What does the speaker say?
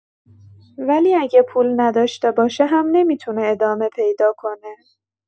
ولی اگه پول نداشته باشه هم نمی‌تونه ادامه پیدا کنه.